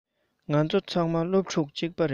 ང ཚོ ཚང མ སློབ གྲྭ གཅིག གི རེད